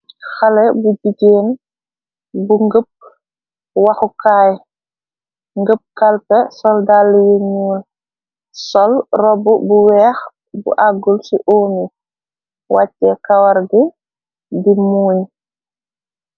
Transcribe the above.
xale bu jigeen bu ngëpp waxukaay ngëpp kalpe soldal yu ñuul sol rob bu weex bu aggul ci omi wacce kawar di di muuñ